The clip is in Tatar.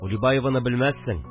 Улибаеваны белмәссең